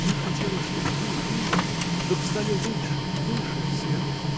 Я хотела, чтоб вы жили, чтоб стали лучше, выше всех.